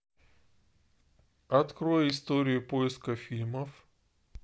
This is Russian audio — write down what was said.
открой историю поиска фильмов